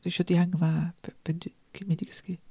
Dwi isio dihangfa p- pan dwi cyn mynd i gysgu.